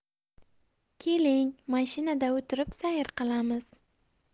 keling mashinada o'tirib sayr qilamiz